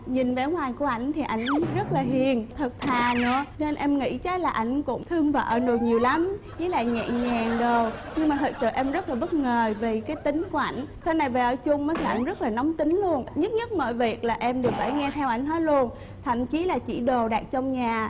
nhìn vẻ ngoài của ảnh thì ảnh rất là hiền thật thà nữa nên em nghĩ chắc là ảnh cũng thương vợ được nhiều lắm với lại nhẹ nhàng rồi nhưng mà thật sự em rất bất ngờ vì cái tính của ảnh sau này về ở chung á thì ảnh rất là nóng tính luôn nhất nhất mọi việc là em đều phải nghe theo ảnh hết luôn thậm chí là chỉ đồ đạc trong nhà